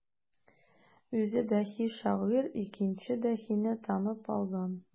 Үзе даһи шагыйрь икенче даһине танып алган.